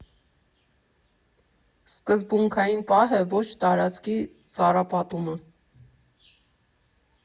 Սկզբունքային պահ է ողջ տարածքի ծառապատումը.